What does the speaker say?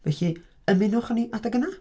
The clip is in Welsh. Felly ymunwch â ni adeg yna.